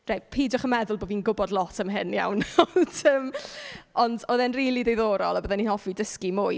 Reit, peidwch yn meddwl bo' fi'n gwybod lot am hyn iawn ond yym... ond oedd e'n rili ddiddorol a byddwn i'n hoffi dysgu mwy.